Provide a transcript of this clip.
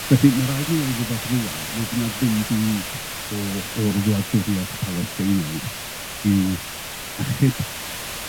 Felly, ma' raid ni neud rwbeth rŵan, neu fy' 'na ddim byd o o'r wladwriaeth Palestinaidd i'w achub.